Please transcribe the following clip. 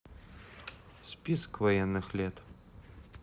список военных лет